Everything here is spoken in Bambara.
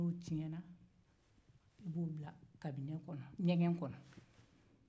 n'o tiɲɛna i b'o bila ɲɛgɛn kɔnɔ